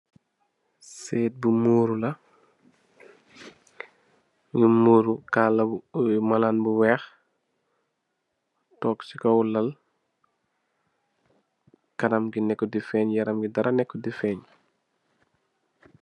Seet bu murula lum muruu kaala malan bu weih tog sey kaw laal kanam bi nekut d fenj yaram bi dara nekut d fenj.